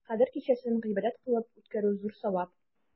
Кадер кичәсен гыйбадәт кылып үткәрү зур савап.